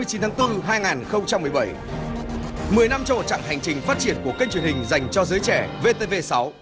chín tháng tư hai nghìn không trăm mười bảy mười năm cho một chặng hành trình phát triển của kênh truyền hình dành cho giới trẻ vê tê vê sáu